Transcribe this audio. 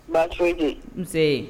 Bato nse